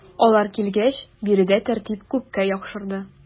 Алар килгәч биредә тәртип күпкә яхшырды.